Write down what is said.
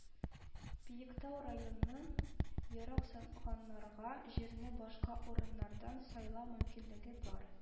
Биектау районын ерак санаганннарга җирне башка урыннардан сайлау мөмкинлеге бар